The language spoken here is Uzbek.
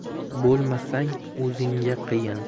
bo'lmasang o'zingga qiyin